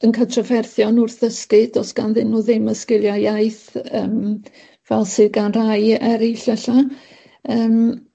yn ca' trafferthion wrth ddysgu, do's ganddyn nw ddim y sgiliau iaith yym fel sydd gan rai eryll ella yym